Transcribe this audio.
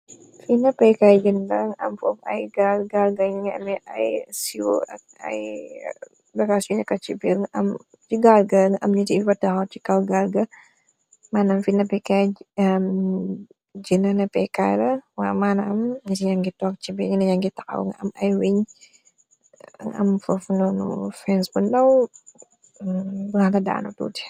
Finapekaay jënna ng am foof ay gaal galga ng ami ay siwo ak ay bakas yu naka ci bir ci gaalga nga am ñiti ipartexor ci kaw a manam fi na pkaay jëna na pekaara wa manam niti yangi tokk ci bir nn yangi taxaw n am ay wiñ nga am foof loonu fenc bu ndaw bu laxta daanu tuuti.